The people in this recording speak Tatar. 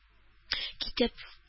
Китеп